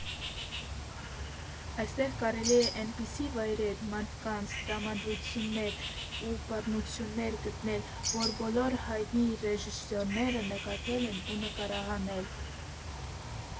Այստեղ կարելի է էնպիսի վայրեր, մարդկանց, տրամադրություններ ու պատմություններ գտնել, որ բոլոր հայտնի ռեժիսորները նկատել են ու նկարահանել։